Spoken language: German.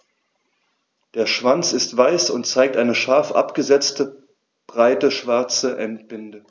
Der Schwanz ist weiß und zeigt eine scharf abgesetzte, breite schwarze Endbinde.